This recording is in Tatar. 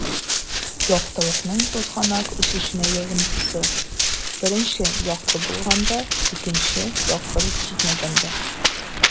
Яктылыкның тузганак үсешенә йогынтысы: 1 - якты булганда; 2 - яктылык җитмәгәндә (күләгәдә)